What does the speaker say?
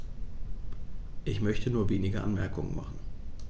Ich möchte nur wenige Anmerkungen machen.